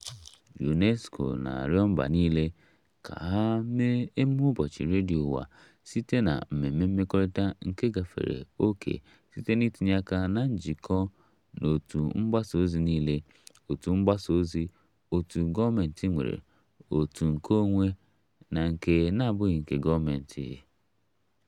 UNESCO na-arịọ mba niile ka ha mee emume Ụbọchị Redio Ụwa site na mmemme mmekorita nke gafere ókè site na itinye aka na njikọ na òtù mgbasa ozi niile, òtù mgbasa ozi, òtù gọọmentị nwere, òtù nkeonwe na nke na-abụghị nke gọọmentị.